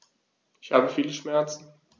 Ich habe viele Schmerzen.